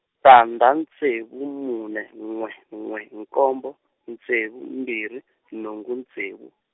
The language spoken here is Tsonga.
tandza ntsevu mune n'we n'we nkombo, ntsevu mbirhi , nhungu ntsevu.